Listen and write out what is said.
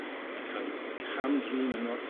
Mae'n ca'l 'i cam-drin yno.